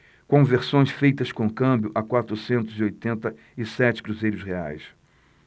conversões feitas com câmbio a quatrocentos e oitenta e sete cruzeiros reais